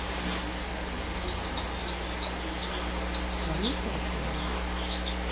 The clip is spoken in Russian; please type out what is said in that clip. маруся шоу